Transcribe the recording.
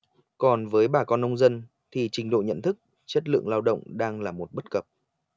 còn với bà con nông dân thì trình độ nhận thức chất lượng lao động đang là một bất cập